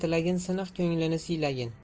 siniq ko'nglin siylagin